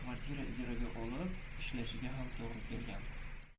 shaharda kvartira ijaraga olib ishlashiga ham to'g'ri kelgan